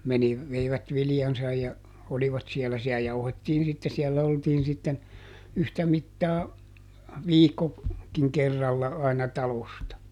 - veivät viljansa ja olivat siellä siellä jauhettiin sitten siellä oltiin sitten yhtä mittaa - viikkokin kerralla aina talosta